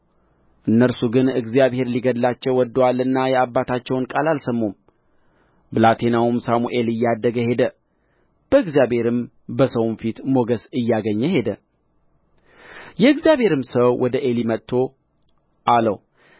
እነርሱ ግን እግዚአብሔር ሊገድላቸው ወድዶአልና የአባታቸውን ቃል አልሰሙም ብላቴናውም ሳሙኤል እያደገ ሄደ በእግዚአብሔርም በሰውም ፊት ሞገስ እያገኘ ሄደ የእግዚአብሔርም ሰው ወደ ዔሊ መጥቶ አለው